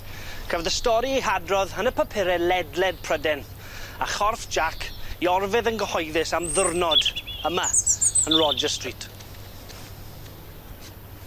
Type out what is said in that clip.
Cafodd y stori ei hadrodd yn y papure ledled Pryden a chorff Jack 'i orfedd yn gyhoeddus am ddiwrnod yma yn Roger Street.